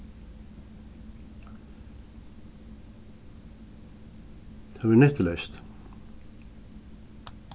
tað varð nyttuleyst